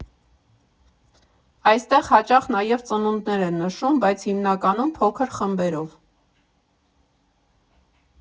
Այստեղ հաճախ նաև ծնունդներ են նշում, բայց հիմնականում փոքր խմբերով։